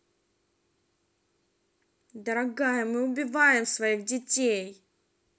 дорогая мы убиваем своих детей